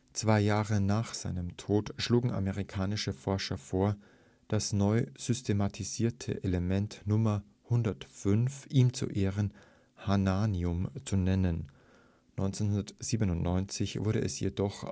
Zwei Jahre nach seinem Tod schlugen amerikanische Forscher vor, das neu synthetisierte Element Nr. 105 ihm zu Ehren Hahnium zu nennen, 1997 wurde es jedoch